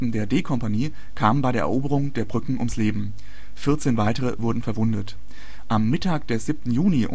der D-Kompanie kamen bei der Eroberung der Brücken ums Leben, 14 weitere wurden verwundet. Am Mittag des 7. Juni